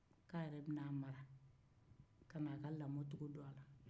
k'a le bɛna a mara ka na a ka lamɔcogo don a la